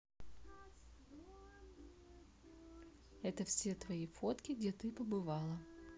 это все твои фотки где ты побывала